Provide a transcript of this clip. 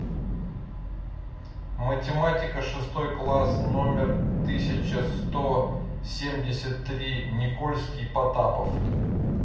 математика шестой класс номер тысяча сто семьдесят три никольский потапов